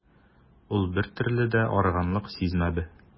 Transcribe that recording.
Ул бертөрле дә арыганлык сизмәде.